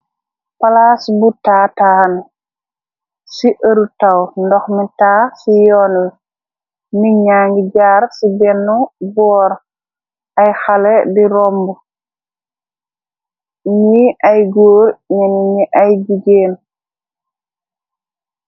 Palaas bu taataan, ci ërutaw, ndox mi ta ci yoonl, ni ñangi jaar ci bénnu boor, ay xalé di romb, ñi ay góor, ñeni ñi, ay jigéen.